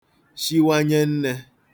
shiwanye nnē